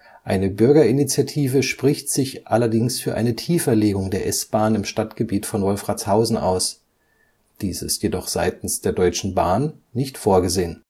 Eine Bürgerinitiative spricht sich allerdings für eine Tieferlegung der S-Bahn im Stadtgebiet von Wolfratshausen aus, dies ist jedoch seitens der Deutschen Bahn nicht vorgesehen